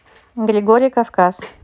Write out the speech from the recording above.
григорий кавказ